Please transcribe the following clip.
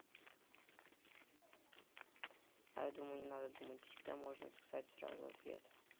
а я думаю не надо думать всегда можно сказать сразу ответ